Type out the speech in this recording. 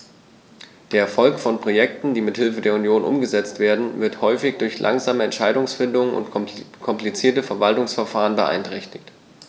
Der Erfolg von Projekten, die mit Hilfe der Union umgesetzt werden, wird häufig durch langsame Entscheidungsfindung und komplizierte Verwaltungsverfahren beeinträchtigt.